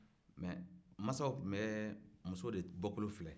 mɛ maasaw tun bɛ muso de bɔkolo filɛ